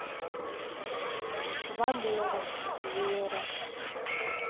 валера лера